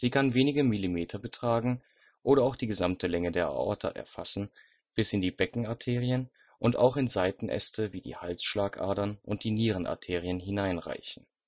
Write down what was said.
kann wenige Millimeter betragen oder auch die gesamte Länge der Aorta erfassen, bis in die Beckenarterien und auch in Seitenäste wie die Halsschlagadern und die Nierenarterien hinein reichen